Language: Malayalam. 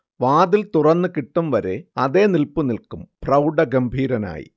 വാതിൽ തുറന്നു കിട്ടും വരെ അതേ നില്പു നിൽക്കും, പ്രൗഢഗംഭീരനായി